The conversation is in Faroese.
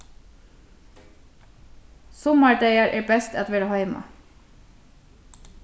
summar dagar er best at vera heima